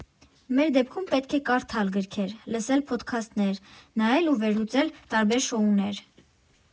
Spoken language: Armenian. Մեր դեպքում պետք է կարդալ գրքեր, լսել փոդքասթներ, նայել ու վերլուծել տարբեր շոուներ։